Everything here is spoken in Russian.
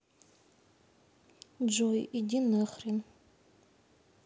джой иди нахрен